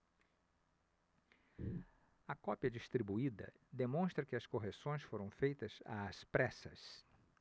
a cópia distribuída demonstra que as correções foram feitas às pressas